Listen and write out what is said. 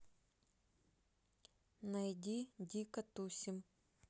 найди дико тусим